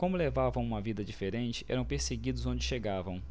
como levavam uma vida diferente eram perseguidos onde chegavam